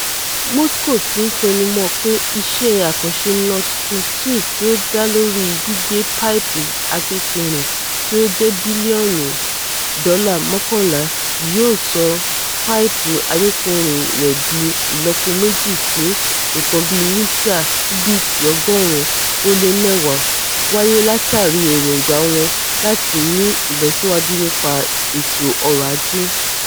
Moscow ti ń tẹnumọ́ pé iṣẹ́ àkànṣè Nord Stream 2 tí ó dá lórí gbígbé páìpù agbépo-rìn tí ó jẹ́ bílíọ́ọ̀nù dọ́là mọ́kànlá yóò sọ páìpù agbépo-rìn rẹ̀ di ìlọ́po méjì sí nǹkan bíi mítà kúbíìkì ọgọ́rùn-ún ó lé mẹ́wàá wáyé látàríi èròngbà wọn láti ní ìlọsíwájú nípa ètò ọrọ̀ ajé.